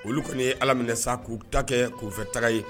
Olu kɔni ye ala minɛ sa k'u ta kɛ k'ufɛ taga ye